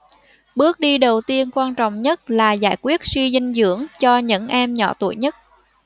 bước đi đầu tiên quan trọng nhất là giải quyết suy dinh dưỡng cho những em nhỏ tuổi nhất